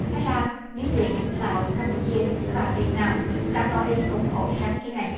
thái lan miến điện lào cam bu chia và việt nam đã tỏ ý ủng hộ sáng kiến này